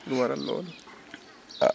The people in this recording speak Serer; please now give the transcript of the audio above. lu waral lolu?